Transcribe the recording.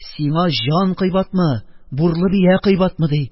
Сиңа җан кыйбатмы, бурлы бия кыйбатмы? - ди